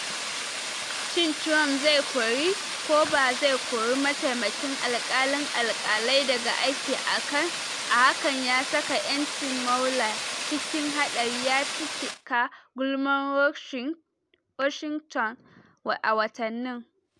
Shin Trump zai kori ko ba zai kori mataimakin alkalin alkalai daga aiki, a hakan ya saka ‘yancin Mueller cikin hadari, ya cika gulmar Washington a watanni.